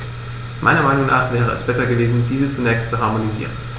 Meiner Meinung nach wäre es besser gewesen, diese zunächst zu harmonisieren.